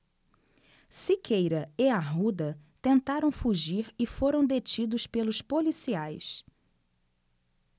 siqueira e arruda tentaram fugir e foram detidos pelos policiais